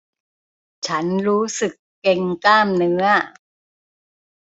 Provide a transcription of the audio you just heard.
ฉันรู้สึกเกร็งกล้ามเนื้อ